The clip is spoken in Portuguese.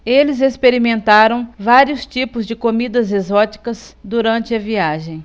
eles experimentaram vários tipos de comidas exóticas durante a viagem